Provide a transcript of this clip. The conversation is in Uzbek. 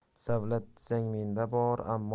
savlat desang menda bor